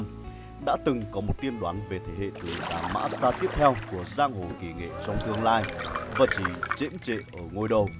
đã có một tiên đoán về thế hệ tứ giá mã xa của giang hồ kỳ nghệ trong tương lai và trí chễm chệ ở ngôi đầu